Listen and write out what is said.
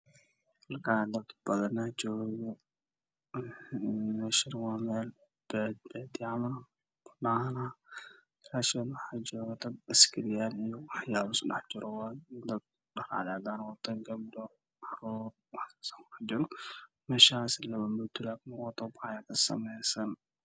Waa dad Faro badan oo naago iyo niman waxay marayaan meel banaan oo cid